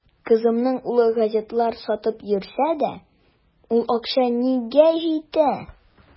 Кызымның улы газеталар сатып йөрсә дә, ул акча нигә җитә.